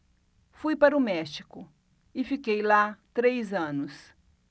fui para o méxico e fiquei lá três anos